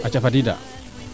aca fadiida